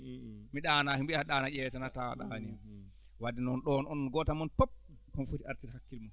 mi ɗanaaki mbiya aɗa ɗaano tan haa tawaa a ɗaniima wadde noon ɗon gooto e mon fof omo foti artirde hakkille mum